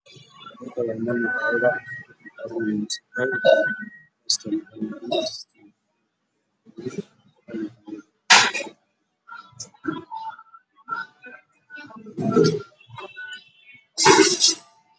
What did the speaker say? Waa qol waxaa yaalo fadhi midabkiisu yahay madow qalin